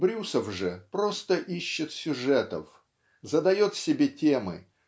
-- Брюсов же просто ищет сюжетов задает себе темы